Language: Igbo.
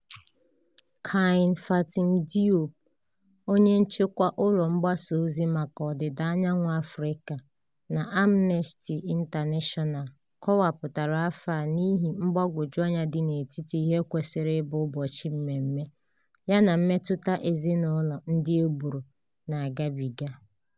Kiné-Fatim Diop, onye nchịkwa ọrụ mgbasozi maka Ọdịda Anyanwụ Afịrịka na Amnesty International, kọwapụtara afọ a n'ihi mgbagwọju anya dị n'etiti ihe kwesịrị ịbụ ụbọchị mmemme yana mmetụta ezinụlọ ndị e gburu na-agabiga: